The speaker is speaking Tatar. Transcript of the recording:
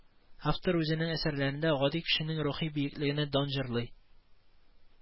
Автор үзенең әсәрләрендә гади кешенең рухи бөеклегенә дан җырлый